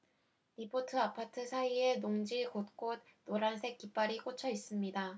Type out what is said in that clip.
리포트 아파트 사이의 농지 곳곳 노란색 깃발이 꽂혀 있습니다